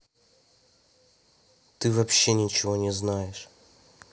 ты вообще ничего не знаешь